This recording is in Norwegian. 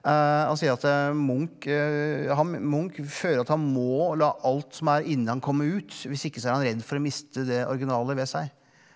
han sier at Munch han Munch føler at han må la alt som er inni han komme ut hvis ikke så er han redd for å miste det originale ved seg.